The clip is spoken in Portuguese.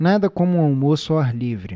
nada como um almoço ao ar livre